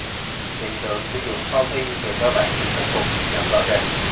hiện tượng sử dụng phao thi về cơ bản được khắc phục giảm rõ rệt